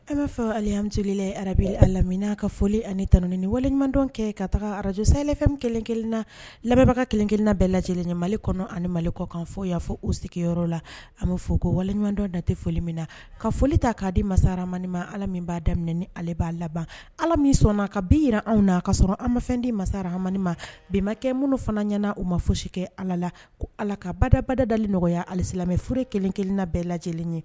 An m'a fɛ fɔ alemiseli arabube a lammina ka foli ani tanun ni waleɲumandon kɛ ka taga arajo safɛn kelenkelen na lamɛnbaga ka kelenkelen bɛɛ lajɛ lajɛlen ɲɛ mali kɔnɔ ani mali kɔkan fɔ y'a fɔ u sigiyɔrɔ la a bɛ fɔ ko waleɲumandon datɛ foli min na ka foli ta k'a di masamani ma ala min b'a daminɛ ni ale b'a laban ala min sɔnna ka bi jira anw na a ka sɔrɔ an mafɛn di masa hamani ma bɛnbakɛ minnu fana ɲɛnaana u ma fɔsi kɛ ala la ko ala ka badabadadali nɔgɔyaya a alisi lamɛnmɛure kelenkelen na bɛɛ lajɛ lajɛlen ye